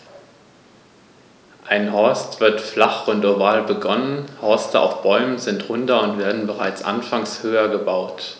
Ein Horst wird flach und oval begonnen, Horste auf Bäumen sind runder und werden bereits anfangs höher gebaut.